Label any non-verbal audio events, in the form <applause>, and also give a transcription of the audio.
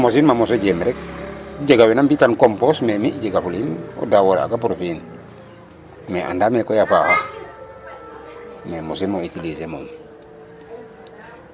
Non mosin mo mos o jeem rek <noise> a jega wena mb'tan compos ndaa me mi' jegafuliim o daaw o laaga pour fi'in mais andaam ee koy a faaxa mais mosinum o utiliser.